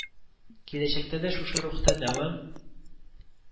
Киләчәктә дә шушы рухта дәвам